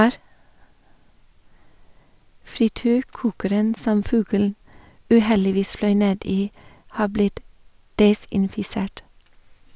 Frityrkokeren som fuglen uheldigvis fløy ned i har blitt desinfisert.